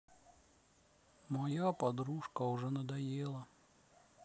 моя подружка уже надоела